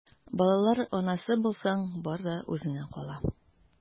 Балалар анасы булсаң, бар да үзеңә кала...